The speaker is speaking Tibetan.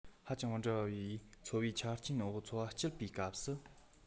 ཧ ཅང མི འདྲ བའི འཚོ བའི ཆ རྐྱེན འོག འཚོ བ སྐྱེལ བའི སྐབས སུ